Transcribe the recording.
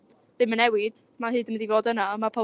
ddim yn newid ma' hyd yn mynd i fod yna a mae pobol